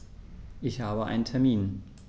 Ich habe einen Termin.